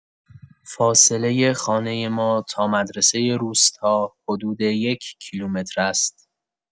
فاصله خانه ما تا مدرسۀ روستا حدود یک کیلومتر است.